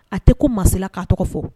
A tɛ ku maa si la ka a tɔgɔ fɔ